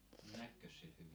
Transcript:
näkikös sillä hyvin